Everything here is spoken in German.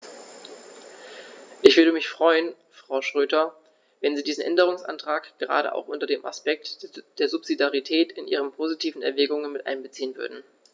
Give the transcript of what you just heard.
Ich würde mich freuen, Frau Schroedter, wenn Sie diesen Änderungsantrag gerade auch unter dem Aspekt der Subsidiarität in Ihre positiven Erwägungen mit einbeziehen würden.